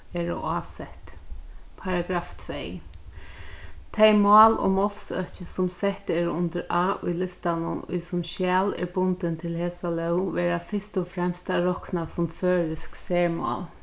eru ásett paragraf tvey tey mál og málsøki sum sett eru undir a í listanum ið sum skjal er bundin til hesa lóg verða fyrst og fremst at rokna sum føroysk sermál